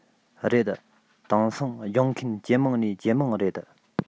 རེད དེང སང སྦྱོང མཁན ཇེ མང ནས ཇེ མང རེད